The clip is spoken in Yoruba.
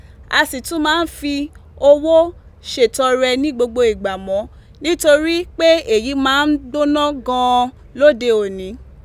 A sì tún máa ń fi owó ṣètọrẹ ní gbogbo ìgbà mọ́, nítorí pé èyí máa ń gbóná gan an lóde òní.